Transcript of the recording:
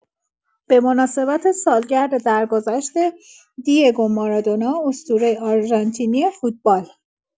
به مناسبت سالگرد درگذشت دیگو مارادونا اسطورۀ آرژانتینی فوتبال